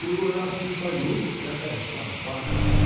в другой раз и не поверит – такая собака!